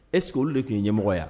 E sigilen olu de tun' ye ɲɛmɔgɔ yan